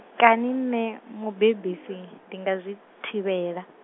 kani nṋe, mubebisi, ndi nga zwi thivhela.